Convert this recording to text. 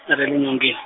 ra le nyongen-.